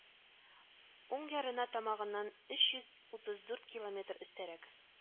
Уң ярына тамагыннан өч йөз утыз дүрт километр өстәрәк